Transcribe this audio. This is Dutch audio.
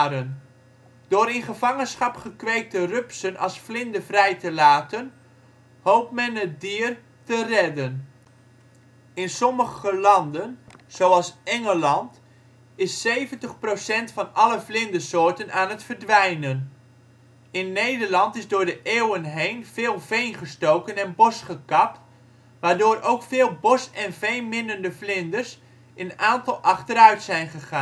50 exemplaren. Door in gevangenschap gekweekte rupsen als vlinder vrij te laten hoopt men het dier te redden. In sommige landen, zoals Engeland, is 70 procent van alle vlindersoorten aan het verdwijnen. In Nederland is door de eeuwen heen veel veen gestoken en bos gekapt, waardoor ook veel bos - en veenminnende vlinders in aantal achteruit zijn gegaan